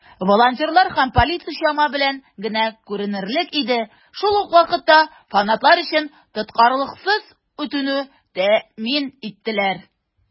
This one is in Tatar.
Волонтерлар һәм полиция чама белән генә күренерлек иде, шул ук вакытта фанатлар өчен тоткарлыксыз үтүне тәэмин иттеләр.